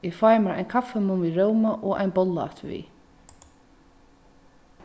eg fái mær ein kaffimunn við róma og ein bolla afturvið